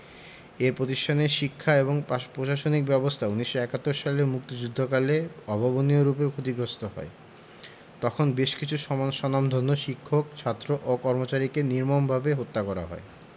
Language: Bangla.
এ পতিষ্ঠানের শিক্ষা এবং পশাসনিক ব্যবস্থা ১৯৭১ সালের মুক্তিযুদ্ধকালে অভাবনীয়রূপে ক্ষতিগ্রস্ত হয় তখন বেশ কিছু স্বনামধন্য শিক্ষক ছাত্র ও কর্মচারীকে নির্মমভাবে হত্যা করা হয়